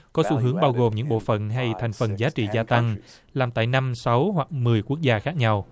có xu hướng bao gồm những bộ phận hay thành phần giá trị gia tăng làm tại năm sáu hoặc mười quốc gia khác nhau